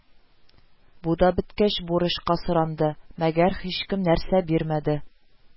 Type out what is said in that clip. Бу да беткәч, бурычка соранды, мәгәр һичкем нәрсә бирмәде